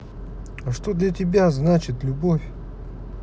а что для тебя значит любовь